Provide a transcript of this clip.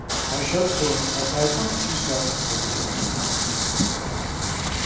teir søgdu at teir einki skeivt høvdu gjørt